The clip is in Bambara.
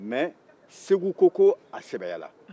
nka segu ko k'a sɛbɛyara